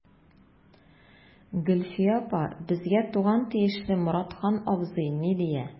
Гөлфия апа, безгә туган тиешле Моратхан абзый ни дия.